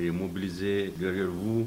Et mobiliser derrière vous